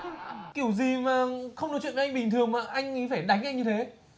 kiểu gì mà không nói chuyện với anh bình thường mà anh ấy phải đánh anh như thế